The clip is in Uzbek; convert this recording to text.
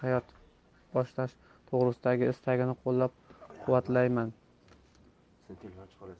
hayot boshlash to'g'risidagi istagini qo'llab quvvatlayman